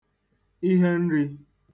ihenrī